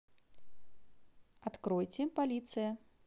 откройте полиция